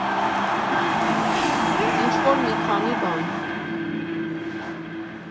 Ինչ֊որ մի քանի բան։